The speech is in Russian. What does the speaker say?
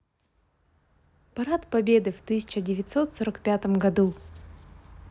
парад победы в тысяча девятьсот сорок пятом году